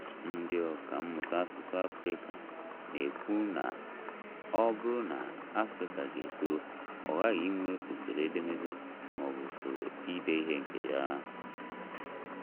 Ndị ọkà mmụta asụsụ Afrịca na-ekwu na ọ bụrụ na Afrịca ga-eto, ọ ghaghị inwe usoro edemede ma ọ bụ usoro ide ihe nke ya.